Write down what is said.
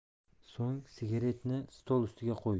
so'ng sigaretni stol ustiga qo'ydi